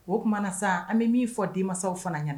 O tuma na sa an bɛ min fɔ denmansaw fana ɲɛna